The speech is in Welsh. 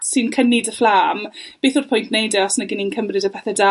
sy'n cynni dy fflam. Beth yw'r pwynt neud e os nag 'yn ni'n cymryd y pethe da